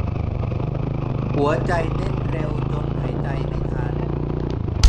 หัวใจเต้นเร็วจนหายใจไม่ทัน